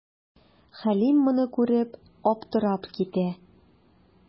Хәлим моны күреп, аптырап китә.